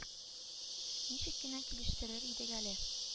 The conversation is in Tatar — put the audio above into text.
Ничек кенә килештерер идек әле